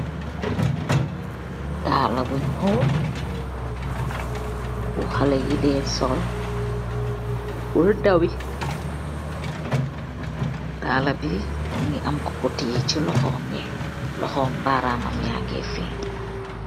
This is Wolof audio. Daala bu nyûll bu Halleh yii deh sull purr dawii daala bi mungii am kuko tiyeh si lohom yii loho baaram yangeh fehnyi